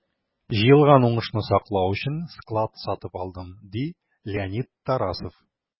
Җыелган уңышны саклау өчен склад сатып алдым, - ди Леонид Тарасов.